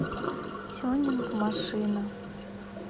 тюнинг машина